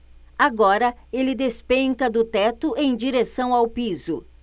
agora ele despenca do teto em direção ao piso